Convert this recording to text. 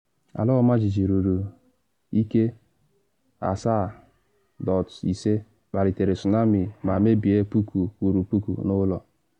Ala ọmajiji ruru ike 7.5 kpalitere tsunami ma mebie puku kwụrụ puku n’ụlọ.